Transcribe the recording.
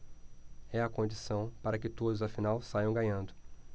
é a condição para que todos afinal saiam ganhando